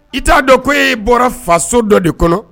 I t'a dɔn ko e'i bɔra faso so dɔ de kɔnɔ